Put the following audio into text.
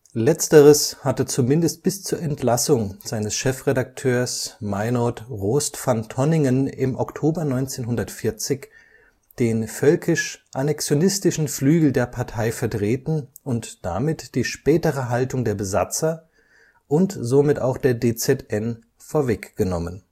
Letzteres hatte zumindest bis zur Entlassung seines Chefredakteurs Meinoud Rost van Tonningen im Oktober 1940 den völkisch-annexionistischen Flügel der Partei vertreten und damit die spätere Haltung der Besatzer, und somit auch der DZN, vorweggenommen